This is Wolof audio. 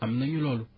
am nañu loolu